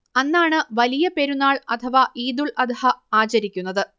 അന്നാണ് വലിയ പെരുന്നാൾ അഥവാ ഈദുൽ അദ്ഹ ആചരിയ്ക്കുന്നത്